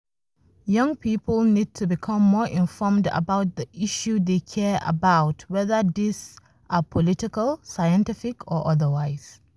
Young people need to become more informed about the issues they care about — whether these are political, scientific, or otherwise.